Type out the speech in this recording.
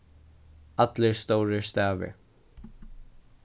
allir stórir stavir